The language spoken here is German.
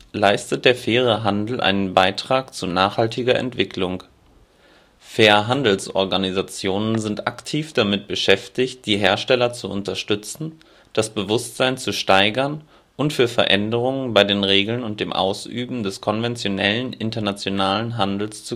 leistet der Faire Handel einen Beitrag zu nachhaltiger Entwicklung. Fairhandelsorganisationen (die von Verbrauchern unterstützt werden) sind aktiv damit beschäftigt, die Hersteller zu unterstützen, das Bewusstsein zu steigern und für Veränderungen bei den Regeln und dem Ausüben des konventionellen internationalen Handels